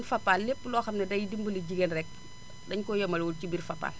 wante ñun Fapal lépp loo xam ne day dimbali jigéen rek dañu ko yemalewul ci biir Fapal